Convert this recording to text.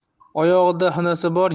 oyog'ida xinasi bor